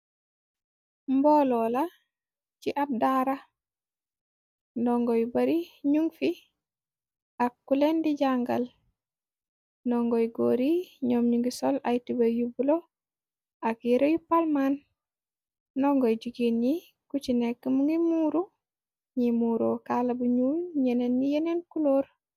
Mbooloo la ci ab daara ndongoyu bari ñuŋ fi ak kulen di jangal. Ndongoy góor yi ñoom ñu ngi sol ay tuber yu bulo ak yere yu paalmaan. Ndongoy jugeen ñi kucci nekk mu ngi muuro ñi muuro kaala bu nu ñeneen ni yeneen kulóor.